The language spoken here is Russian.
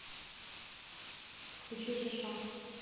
включи шиша